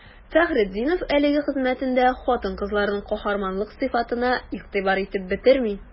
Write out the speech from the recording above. Фәхретдинов әлеге хезмәтендә хатын-кызларның каһарманлылык сыйфатына игътибар итеп бетерми.